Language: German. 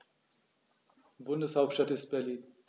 Bundeshauptstadt ist Berlin.